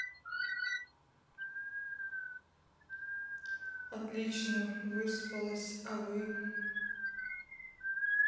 отлично выспалась а вы